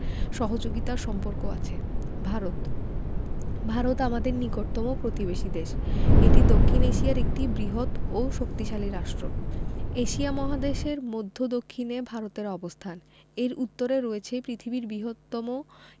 সহযোগিতার সম্পর্ক আছে ভারতঃ ভারত আমাদের নিকটতম প্রতিবেশী দেশএটি দক্ষিন এশিয়ার একটি বৃহৎও শক্তিশালী রাষ্ট্র এশিয়া মহাদেশের মদ্ধ্য দক্ষিনে ভারতের অবস্থানএর উত্তরে রয়েছে পৃথিবীর বৃহত্তম